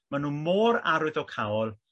ma' n'w mor arwyddocaol